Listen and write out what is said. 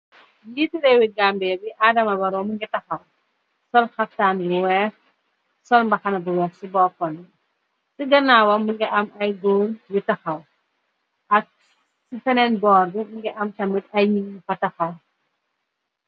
Nyetee rewe Gambia bi Adama Barrow muge taxaw sol xaftan bu weex sol mbaxana bu weex ci bopambe ci ganawam minga am ay góor yu taxaw ak ci feneen borr be muge am tamin ay niññi yufa taxaw.